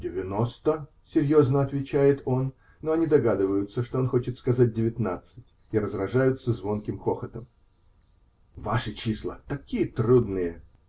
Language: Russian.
-- Девяносто, -- серьезно отвечает он, но они догадываются, что он хочет сказать "девятнадцать", и разражаются звонким хохотом. -- Ваши числа такие трудные